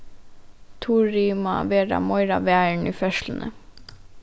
turið má vera meira varin í ferðsluni